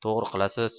to'g'ri qilasiz